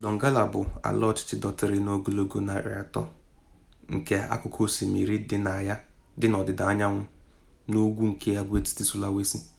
Donggala bụ ala ọchịchị dọtịrị n’ogologo 300 km (maịlụ 180) nke akụkụ osimiri dị na ọdịda anyanwụ na ugwu nke agwaetiti Sulawesi.